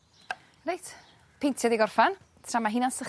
Reit, peintio di gorffan. Tra ma' heinia'n sychu,